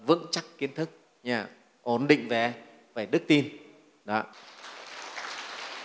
vững chắc kiến thức ổn định về đức tin